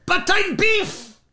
But I'm beef!